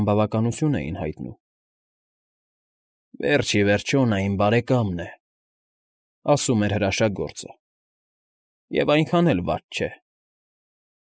Անբավականություն էին հայտնում։ ֊ Վերջ ի վերջո նա իմ բարեկամն է,֊ ասում էր հրաշագործը,֊ և այնքան էլ վատ չէ։